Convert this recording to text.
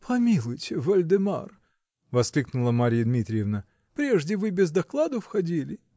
-- Помилуйте, Вольдемар, -- воскликнула Марья Дмитриевна, -- прежде вы без докладу входили!